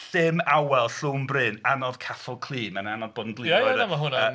Llym awel, llwm bryn, anodd caffael clud. Mae'n anodd bod yn